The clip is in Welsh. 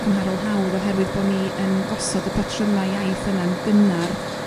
cymharol hawdd oherwydd bo' ni yn gosod y patrymau iaith yna'n gynnar